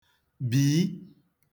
bìi